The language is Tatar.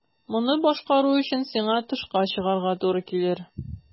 Моны башкару өчен сиңа тышка чыгарга туры килер.